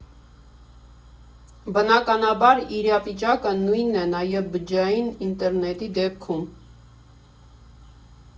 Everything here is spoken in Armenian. Բնականաբար, իրավիճակը նույնն է նաև բջջային ինտերնետի դեպքում։